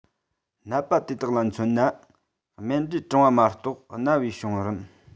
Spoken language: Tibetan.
ནད པ དེ དག ལ མཚོན ན རྨེན འབྲས སྐྲང བ མ གཏོགས ན བའི བྱུང རིམ